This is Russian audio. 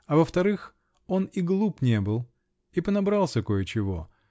А во-вторых, он и глуп не был и понабрался кое-чего.